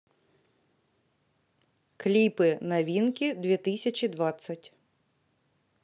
клипы новинки две тысячи двадцать